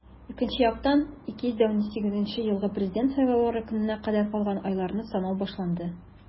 Икенче яктан - 2018 елгы Президент сайлаулары көненә кадәр калган айларны санау башланды.